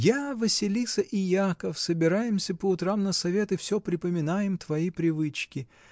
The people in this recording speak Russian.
Я, Василиса и Яков собираемся по утрам на совет и всё припоминаем твои привычки.